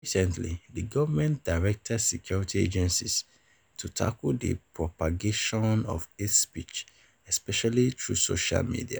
Recently, the government directed security agencies to "tackle the propagation of hate speech, especially through social media".